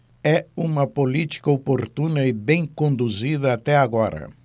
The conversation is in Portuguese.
é uma política oportuna e bem conduzida até agora